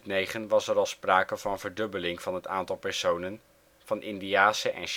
2009 was er al sprake van verdubbeling van het aantal personen van Indiase en